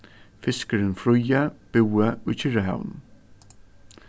fiskurin fríði búði í kyrrahavinum